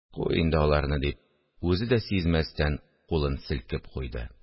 – куй инде аларны! – дип, үзе дә сизмәстән кулын селкеп куйды